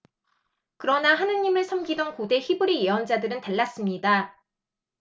그러나 하느님을 섬기던 고대 히브리 예언자들은 달랐습니다